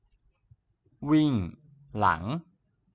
วิ่งหลัง